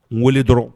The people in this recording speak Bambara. N wele dɔrɔn